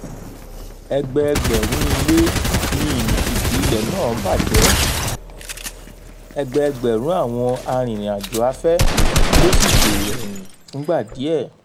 Ẹgbẹẹgbẹ̀rún ilé ni ìmìtìtì ilẹ̀ náà ba jẹ́, ẹgbẹẹgbẹ̀rún àwọn arìnrìn-àjò afẹ́ ló sì dèrò ẹ̀yìn fúngbà díẹ̀.